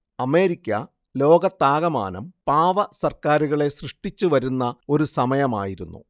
America ലോകത്താകമാനം പാവ സർക്കാരുകളെ സൃഷ്ടിച്ചു വരുന്ന ഒരു സമയമായിരുന്നു